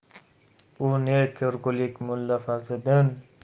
bu ne ko'rgulik mulla fazliddin